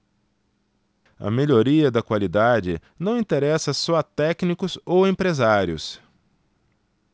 a melhoria da qualidade não interessa só a técnicos ou empresários